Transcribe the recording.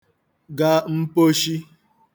ga mposhi